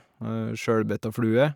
Sjølbetta flue.